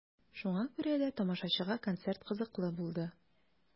Шуңа күрә дә тамашачыга концерт кызыклы булды.